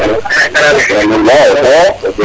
waaw ca va